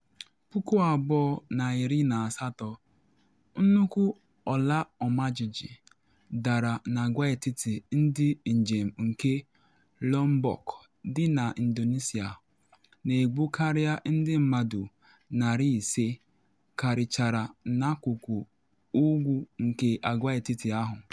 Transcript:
2018: Nnukwu ọla ọmajiji dara n’agwaetiti ndị njem nke Lombok dị na Indonesia, na egbu karịa ndị mmadụ 500, karịchara n’akụkụ ugwu nke agwaetiti ahụ.